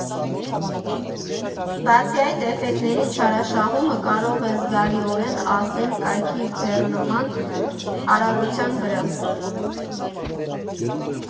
Բացի այդ, էֆեկտների չարաշահումը կարող է զգալիորեն ազդել կայքի բեռնման արագության վրա։